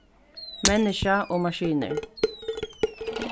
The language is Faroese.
menniskja og maskinur